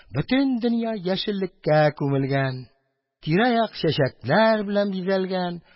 Бөтен дөнья яшелеккә күмелгән, тирә-як чәчәкләр белән бизәлгән.